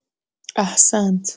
احسنت!